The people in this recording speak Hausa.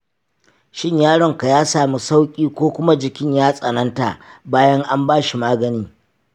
shin yaronka ya sami sauƙi ko kuma jikin ya tsananta bayan an bashi magani?